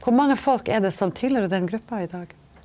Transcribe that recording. kor mange folk er det som tilhøyrer den gruppa i dag?